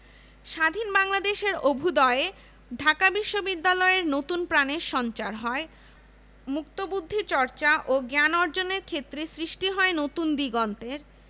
১৯৭৩ জারি করে এর ফলে বিশ্ববিদ্যালয়ের স্বায়ত্তশাসন ও গণতান্ত্রিক অধিকার পুনরুজ্জীবিত হয় স্বাধীনতা উত্তরকালে বিশ্ববিদ্যালয়ের ছাত্র